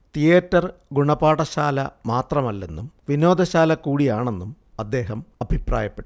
theatre ഗുണപാഠശാല മാത്രമല്ലെന്നും വിനോദശാല കൂടിയാണെന്നും അദ്ദേഹം അഭിപ്രായപ്പെട്ടു